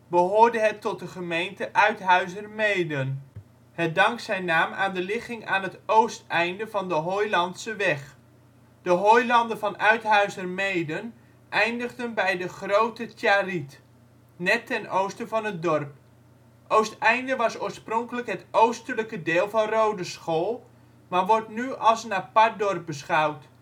behoorde het tot de gemeente Uithuizermeeden. Het dankt zijn naam aan de ligging aan het oosteinde van de Hooilandseweg. De hooilanden van Uithuizermeeden eindigden bij de Groote Tjariet, net ten oosten van het dorp. Oosteinde was oorspronkelijk het oostelijke deel van Roodeschool, maar wordt nu als een apart dorp beschouwd